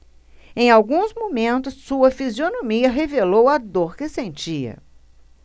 em alguns momentos sua fisionomia revelou a dor que sentia